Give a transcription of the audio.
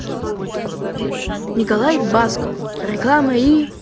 николай басков реклама и